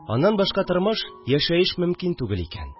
Аннан башка тормыш, яшәеш мөмкин түгел икән